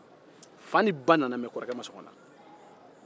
fa ni ba nana mɛ kɔrɔkɛ ma sɔn ka na